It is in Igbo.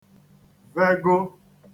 vego